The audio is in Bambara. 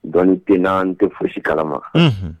Dɔnni tɛ n na n tɛ fosi kalama, unhun